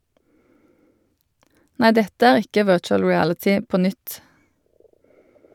Nei, dette er ikke virtual reality på nytt.